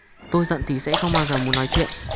tôi giận thì sẽ không bao giờ muốn nói chuyện